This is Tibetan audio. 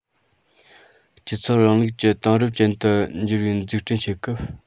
སྤྱི ཚོགས རིང ལུགས ཀྱི དེང རབས ཅན དུ འགྱུར བའི འཛུགས སྐྲུན བྱེད སྐབས